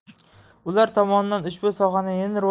ular tomonidan ushbu sohani yanada